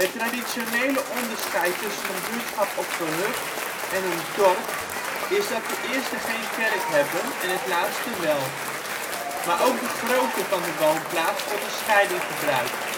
traditionele onderscheid tussen een buurtschap of gehucht en een dorp is dat de eerste geen kerk hebben en het laatste wel. Maar ook de grootte van de woonplaats wordt als scheiding gebruikt